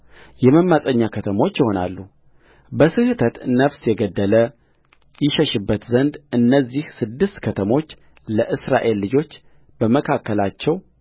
የመማፀኛ ከተሞች ይሆናሉበስሕተት ነፍስ የገደለ ይሸሽበት ዘንድ እነዚህ ስድስት ከተሞች ለእስራኤል ልጆች በመካከላቸው